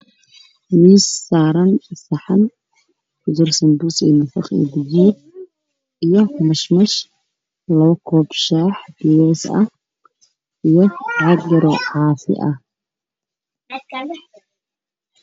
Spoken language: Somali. Waa miis saaran saxan ku jiro sanbuus iyo nafaqo